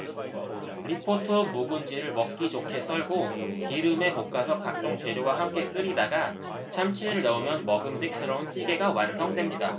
리포트 묵은지를 먹기 좋게 썰고 기름에 볶아서 각종 재료와 함께 끓이다가 참치를 넣으면 먹음직스러운 찌개가 완성됩니다